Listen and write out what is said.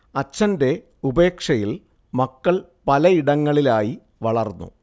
അച്ഛന്റെ ഉപേക്ഷയിൽ മക്കൾ പലയിടങ്ങളിലായി വളർന്നു